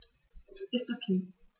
Ist OK.